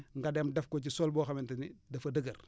nga dem def ko ci sol boo xamante ne dafa dëgër